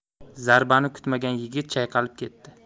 zarbani kutmagan yigit chayqalib ketdi